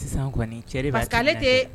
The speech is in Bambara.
Sisan kɔni cɛ de parce que ale tee